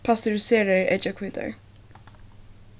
pasteuriseraðir eggjahvítar